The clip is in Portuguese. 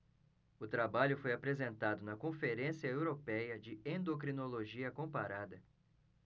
o trabalho foi apresentado na conferência européia de endocrinologia comparada